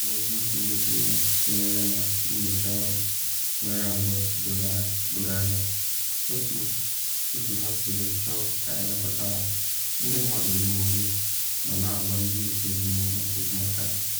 Agbanyeghị n’eziokwu ndị sonyere na nyocha ahụ nwere alo doro anya otu ha siri chọọ ka elekọta ha, ndị mmadụ ole ma ole nọ na agwa ndị otu ezinụlọ okwu maka ya.